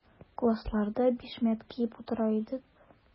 Классларда бишмәт киеп утыра идек.